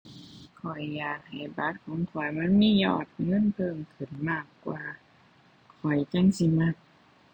ข้อยอยากให้บัตรของข้อยมันมียอดเงินเพิ่มขึ้นมากกว่า ข้อยจั่งสิมัก